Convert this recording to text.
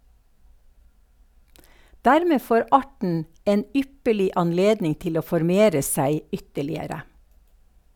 Dermed får arten en ypperlig anledning til å formere seg ytterligere.